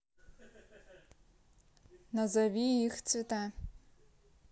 назови их цвета